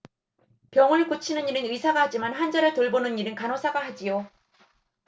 병을 고치는 일은 의사가 하지만 환자를 돌보는 일은 간호사가 하지요